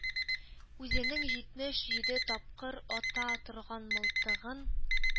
Үзенең җитмеш җиде тапкыр ата торган мылтыгын